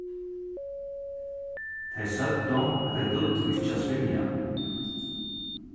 tey søgdu at tey dugdu ikki at svimja